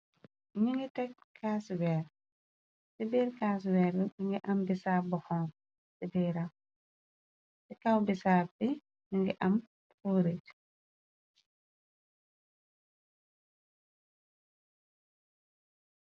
Ñi ngi tek caas ci weer ci biir caas ci weer bi mu ngi am bisaab bu honku ci biiram. Ci kaw bisaab bi ñingi am furit.